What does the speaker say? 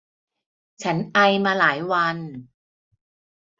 ฉันไอมาหลายวัน